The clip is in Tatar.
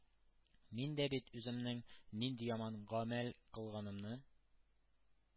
Мин дә бит үземнең нинди яман гамәл кылганымны